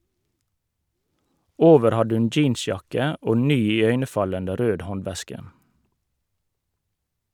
Over hadde hun jeansjakke og ny iøynefallende rød håndveske.